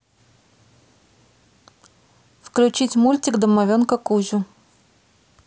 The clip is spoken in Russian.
включить мультик домовенка кузю